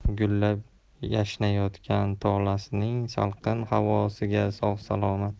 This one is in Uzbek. gullab yashnayotgan tolosning salqin havosida sog' salomat